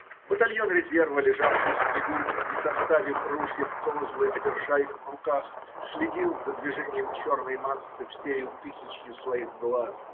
Батальон резерва, лежавший в снегу, не составив ружья в козлы, а держа их в руках, следил за движением черной массы всею тысячью своих глаз.